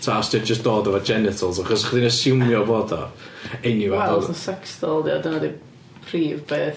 Ta os 'di o'n jyst dod efo genitals, achos 'sech chdi'n asiwmio fod o eniwe... Wel os na sex doll 'di o dyna 'di'r prif beth...